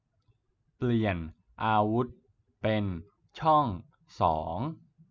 เปลี่ยนอาวุธเป็นช่องสอง